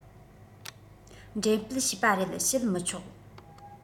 འགྲེམས སྤེལ བྱས པ རེད བྱེད མི ཆོག